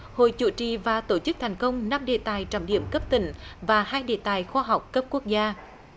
hội chủ trì và tổ chức thành công năm đề tài trọng điểm cấp tỉnh và hai đề tài khoa học cấp quốc gia